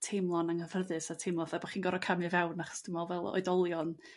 teimlo'n anghyffyrddus a teimlo 'tha bo' chi'n gor'o' camio fewn achos dwi me'wl fel oedolion